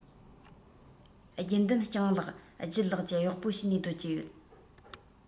རྒྱུན ལྡན སྤྱང ལགས ལྗད ལགས ཀྱི གཡོག པོ བྱས ནས སྡོད ཀྱི ཡོད